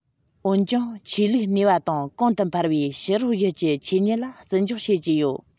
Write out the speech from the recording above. འོན ཀྱང ཆོས ལུགས གནས པ དང གོང དུ འཕེལ བའི ཕྱི རོལ ཡུལ གྱི ཆོས ཉིད ལ བརྩི འཇོག བྱེད ཀྱི ཡོད